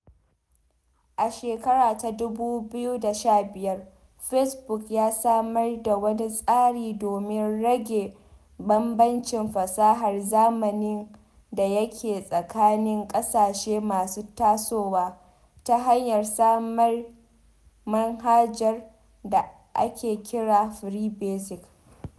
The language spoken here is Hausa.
A 2015, Facebook ya samar da wani tsari domin rage bambancin fasahar zamanin da yake tsakanin ƙasashe masu tasowa ta hanyar samar manhajar da ake kira ''Free Basic''.